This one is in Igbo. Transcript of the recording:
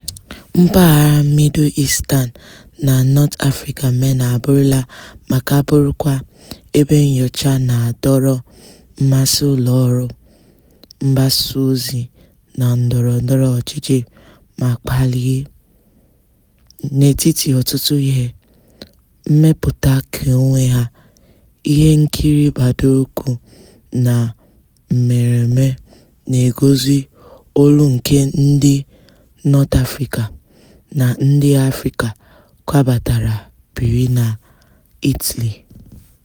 Mpaghara Middle Eastern na North Africa (MENA) abụrụla (ma ka burukwa) ebe nyocha na-adọrọ mmasị ụlọọrụ mgbasaozi na ndọrọndọrọ ọchịchị ma kpalie, n'etiti ọtụtụ ihe, mmepụta keonwe ha, ihe nkiri gbadoroukwu na mmereme na-egosi olu nke ndị North Africa na ndị Afrịka kwabatara biri na Italy.